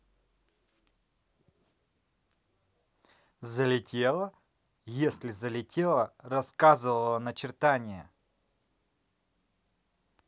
залетела если залетела рассказывала начертание